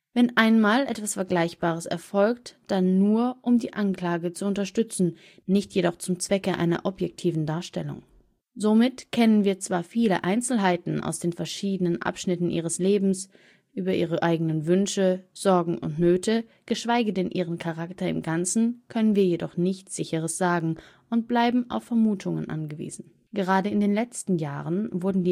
Wenn einmal etwas Vergleichbares erfolgt, dann nur, um die Anklage zu unterstützen, nicht jedoch zum Zwecke einer objektiven Darstellung. Somit kennen wir zwar viele Einzelheiten aus verschiedenen Abschnitten ihres Lebens, über ihre eigenen Wünsche, Sorgen und Nöte, geschweige denn ihren Charakter im Ganzen können wir jedoch nichts Sicheres sagen und bleiben auf Vermutungen angewiesen. Gerade in den letzten Jahren wurde